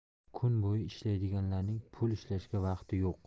kun bo'yi ishlaydiganlarning pul ishlashga vaqti yo'q